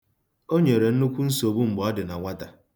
O nyere nnukwu nsogbu mgbe ọ dị na nwata.